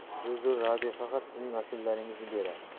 televizor radio faqat sizning ashulalaringizni beradi